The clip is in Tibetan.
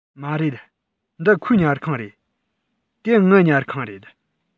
མ རེད འདི ཁོའི ཉལ ཁང རེད དེ ངའི ཉལ ཁང རེད